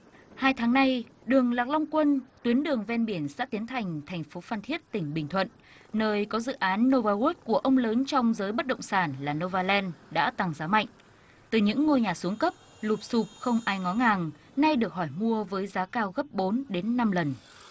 hai tháng nay đường lạc long quân tuyến đường ven biển xã tiến thành thành phố phan thiết tỉnh bình thuận nơi có dự án nô va guất của ông lớn trong giới bất động sản là nô va len đã tăng giá mạnh từ những ngôi nhà xuống cấp lụp xụp không ai ngó ngàng nay được hỏi mua với giá cao gấp bốn đến năm lần